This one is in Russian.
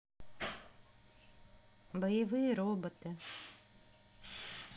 боевые роботы